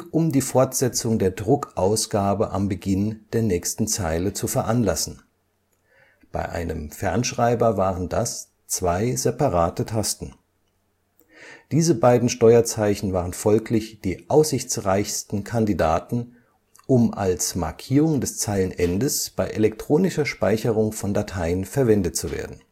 um die Fortsetzung der Druckausgabe am Beginn der nächsten Zeile zu veranlassen – bei einem Fernschreiber waren das zwei separate Tasten. Diese beiden Steuerzeichen waren folglich die aussichtsreichsten Kandidaten, um als Markierung des Zeilenendes bei elektronischer Speicherung von Dateien verwendet zu werden